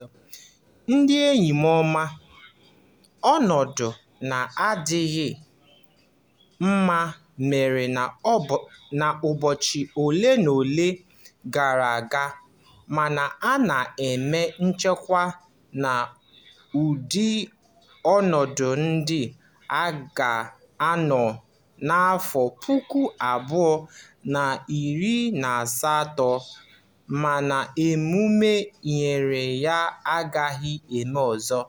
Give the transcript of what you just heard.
Ndị enyi m ọma, ọnọdụ na-adịghị mma mere n'ụbọchị ole na ole gara aga, mana ana m enwe nchekwube na ụdị ọnọdụ ndị a ga-anọrọ na 2018 ma emume yiri ya agaghị eme ọzọ.